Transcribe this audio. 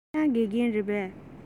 ཁྱེད རང དགེ རྒན རེད པས